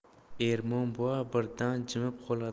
ermon buva birdan jimib qoladi